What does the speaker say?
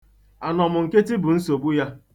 Anọmnkịtị bụ nsogbu ya.